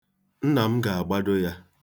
Nna m ga-agbado ya.